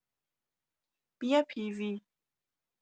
بیا پی وی